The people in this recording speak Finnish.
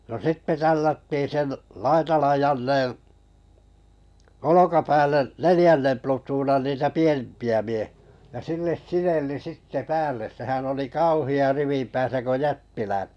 no sitten tällättiin sen Laitalan Jannen olkapäälle neljännen plutoonan niitä pienempiä miehiä ja sille sinelli sitten päälle sehän oli kauhea rivin päässä kun -